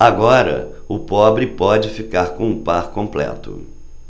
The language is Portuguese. agora o pobre pode ficar com o par completo